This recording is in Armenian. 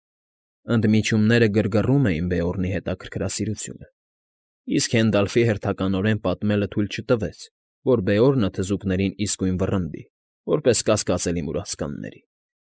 Ընդմիջումները գրգռում էին Բեորնի հետաքրքրասիրությունը, իսկ Հենդալֆի հերթականորեն պատմելը թույլ չտվեց, որ Բեորնը թզուկներին իսկույն վռնդի որպես կասկածելի մուրացկանների։